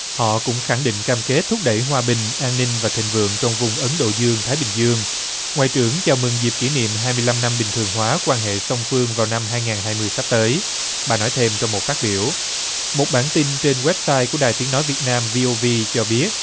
họ cũng khẳng định cam kết thúc đẩy hòa bình an ninh và thịnh vượng trong vùng ấn độ dương thái bình dương ngoại trưởng chào mừng dịp kỷ niệm hai mươi lăm năm bình thường hóa quan hệ song phương vào năm hai ngàn hai mươi sắp tới bà nói thêm trong một phát biểu một bản tin trên goép xai của đài tiếng nói việt nam vi ô vi cho biết